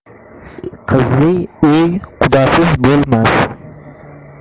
qizli uy qudasiz bo'lmas